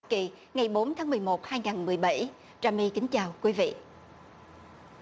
kỳ ngày bốn tháng mười một hai nghìn mười bảy trà my kính chào quý vị thủ